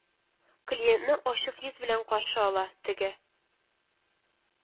Клиентны ачык йөз белән каршы ала, теге